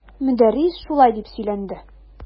Мөдәррис шулай дип сөйләнде.